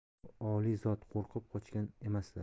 u oliy zot qo'rqib qochgan emaslar